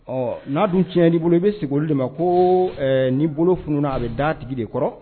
Ɔ n'a dun tiɲɛ' bolo i bɛ sigi olu de ma ko n' bolo fun a bɛ da tigi de kɔrɔ